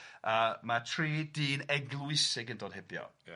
Yy ma' tri dyn eglwysig yn dod hebio... Ia.